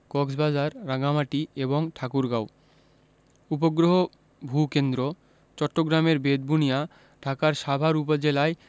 কক্সবাজার রাঙ্গামাটি এবং ঠাকুরগাঁও উপগ্রহ ভূ কেন্দ্রঃ চট্টগ্রামের বেতবুনিয়া ঢাকার সাভার উপজেলায়